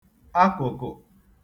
akụ̀kụ̀